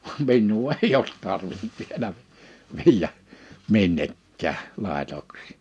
vaan minua ei ole tarvinnut vielä viedä minnekään laitoksiin